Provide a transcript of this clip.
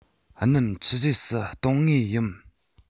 སྣུམ ཆུད ཟོས སུ གཏོང ངེས ཡིན